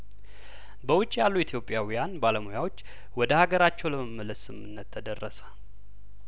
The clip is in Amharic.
በውጭ ያሉ ኢትዮጵያውያን ባለሙያዎች ወደ አገራቸው ለመመለስ ስምምነት ተደረሰ